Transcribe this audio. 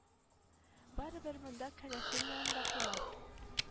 Барыбер монда кәләшем янында кунам